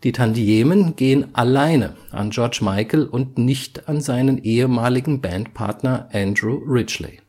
Tantiemen gehen alleine an George Michael und nicht an seinen ehemaligen Bandpartner Andrew Ridgeley